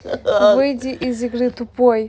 выйди из игры тупой